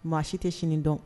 Maa si tɛ sini dɔn